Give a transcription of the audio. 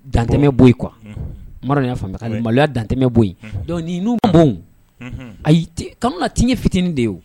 Dantɛmɛ bɔyi qu bamanan y' maloya dantɛmɛ bɔ yen dɔnkuc n bon a ye ka ti fitinin de ye